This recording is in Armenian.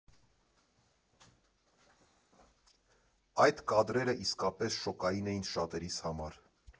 Այդ կադրերը իսկապես շոկային էին շատերիս համար։